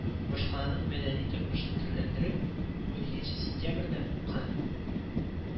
Башкаланың мәдәни тормышын төрләндереп, уникенче сентябрьдә Кы